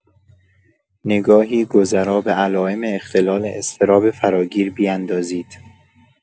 نگاهی گذرا به علائم اختلال اضطراب فراگیر بیندازید.